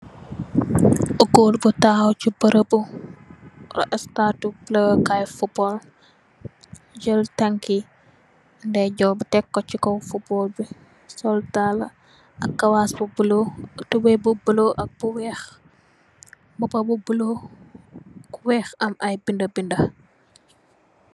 Ap goor bu takhaw ci bureau bu estate play kai fotbaal, mu jel tangki ndeye jorr bi tek ko ci kaw football bi, sol dalla ak kawass bu bulo, tubeye bu bulo ak bu weex. Mboba bu bulo, weex am ay binda binda.